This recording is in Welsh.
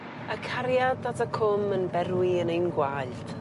A cariad at y cwm yn berwi yn ein gwaed.